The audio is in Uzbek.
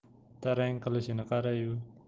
tarang qilishini qarayu